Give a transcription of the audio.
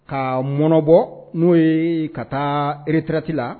Ka mɔnɔnɔbɔ n'o ye ka taa iretrti la